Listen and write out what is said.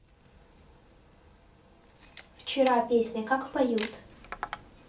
вчера песня как поют